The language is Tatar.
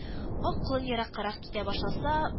Ак колын ераккарак китә башласа